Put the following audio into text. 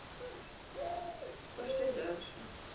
пошли дальше